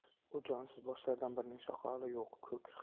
bu jonsiz boshlardan birining soqoli yo'q ko'k